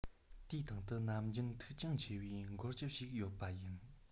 དེའི སྟེང དུ ནམ རྒྱུན མཐུག ཅིང ཆེ བའི མགོ ལྕིབས ཤིག ཡོད པ ཡིན